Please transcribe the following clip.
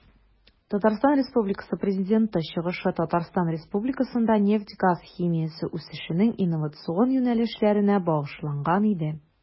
ТР Президенты чыгышы Татарстан Республикасында нефть-газ химиясе үсешенең инновацион юнәлешләренә багышланган иде.